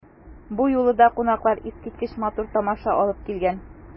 Бу юлы да кунаклар искиткеч матур тамаша алып килгән.